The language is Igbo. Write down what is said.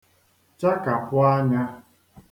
chakàpụ ānyā